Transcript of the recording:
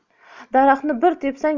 daraxtni bir tepsang